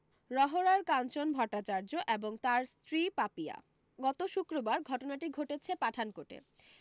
রহড়ার কাঞ্চন ভট্টাচার্য এবং তার স্ত্রী পাপিয়া গত শুক্রবার ঘটনাটি ঘটেছে পাঠানকোটে